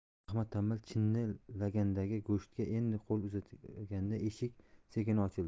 ahmad tanbal chinni lagandagi go'shtga endi qo'l uzatganda eshik sekin ochildi